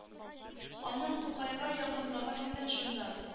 Аның тукайга якынлыгы менә шунда